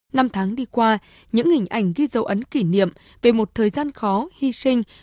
năm tháng đi qua những hình ảnh ghi dấu ấn kỷ niệm về một thời gian khó hy sinh